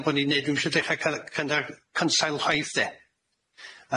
am bo' ni'n neud dwi'm isio dechra cyn- cyndag cynsail chwaith 'de?